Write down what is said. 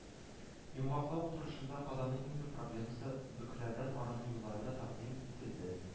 Йомгаклау утырышында Казанның иң зур проблемасы - бөкеләрдән арыну юллары да тәкъдим ителде